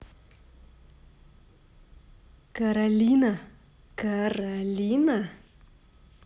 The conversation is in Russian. каролина каролина